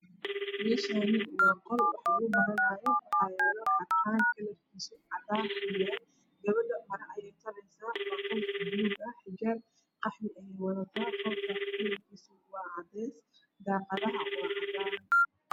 Meshani waa qol wax lakubaranayo waxayalo xarqan kalarkis cadan oow yahay gebdha maro ayey toleysa waa kalarka baluug xijab qaxwi ayey watata qolka kalarkis waa cades daqdah waa cadan